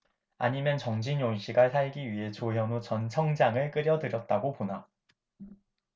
아니면 정진용씨가 살기 위해 조현오 전 청장을 끌여들였다고 보나